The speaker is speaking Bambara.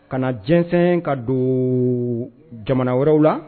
Ka na jɛnsɛn ka don jamana wɛrɛw la.